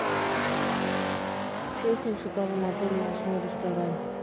песня в шикарном отеле ночной ресторан